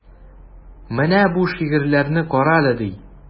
Менә бу шигырьләрне карале, ди.